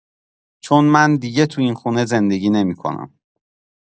چون من دیگه تو این خونه زندگی نمی‌کنم.